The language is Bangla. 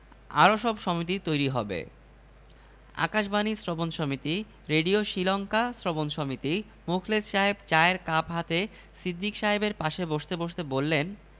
আরো সব সমিতি তৈরি হবে আকাশবাণী শ্রবণ সমিতি রেডিও শীলংকা শ্রবণ সমিতি মুখলেস সাহেব চায়ের কাপ হাতে সিদ্দিক সাহেবের পাশে বসতে বসতে বললেন